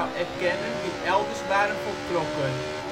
erkennen die elders waren voltrokken